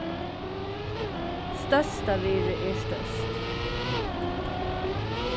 størstavirðið er størst